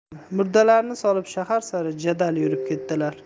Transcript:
murdalarni solib shahar sari jadal yurib ketdilar